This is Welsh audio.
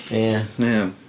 Ia... Ia.